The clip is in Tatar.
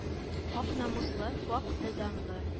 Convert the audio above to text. Ак намуслы, пакь вө данлы